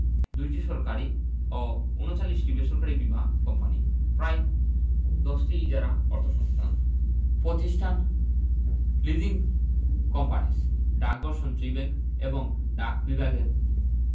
২টি সরকারি ও ৩৯টি বেসরকারি বীমা কোম্পানি প্রায় ১০টি ইজারা অর্থসংস্থান প্রতিষ্ঠান লিজিং কোম্পানিস ডাকঘর সঞ্চয়ী ব্যাংক এবং ডাক বিভাগের